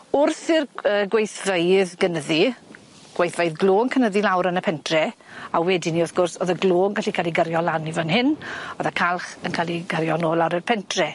Wrth i'r yy gweithfeydd gynyddu gweithfeydd glo'n cynyddu lawr yn y pentre a wedyn 'ny wrth gwrs o'dd y glo'n gallu ca'l 'i gyrio lan i fan hyn o'dd y calch yn ca'l 'i cario nôl lawr i'r pentre.